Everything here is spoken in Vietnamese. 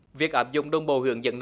việc áp dụng đồng bộ hướng dẫn